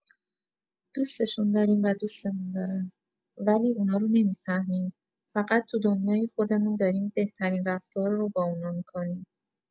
دوستشون داریم و دوستمون دارن، ولی اونارو نمی‌فهمیم؛ فقط تو دنیای خودمون داریم بهترین رفتار رو با اونا می‌کنیم.